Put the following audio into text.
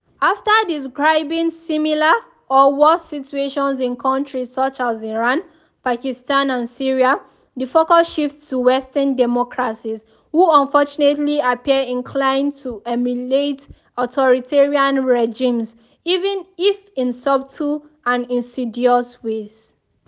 After describing similar (or worse) situations in countries such as Iran, Pakistan and Syria, the focus shifts to Western democracies — who unfortunately appear inclined to emulate authoritarian regimes, even if in subtle and insidious ways.